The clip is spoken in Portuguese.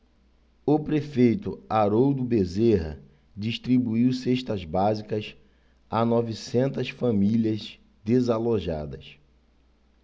o prefeito haroldo bezerra distribuiu cestas básicas a novecentas famílias desalojadas